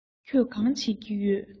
ཁྱོད གང བྱེད ཀྱི ཡོད